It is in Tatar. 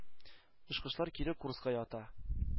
Очкычлар кире курска ята.